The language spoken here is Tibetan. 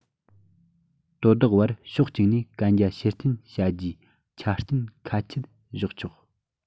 དོ བདག བར ཕྱོགས གཅིག ནས གན རྒྱ ཕྱིར འཐེན བྱ རྒྱུའི ཆ རྐྱེན ཁ ཆད བཞག ཆོག